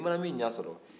i mana min ɲɛ sɔrɔ